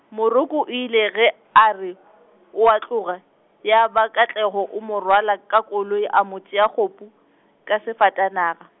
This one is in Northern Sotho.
Moroko o ile ge a re , o a tloga, ya ba Katlego o mo rwala ka koloi a mo tšea kgopu, ka sefatanaga.